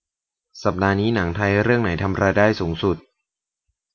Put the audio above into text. สัปดาห์นี้หนังไทยเรื่องไหนทำรายได้สูงสุด